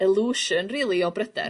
eliwsion rili o bryder...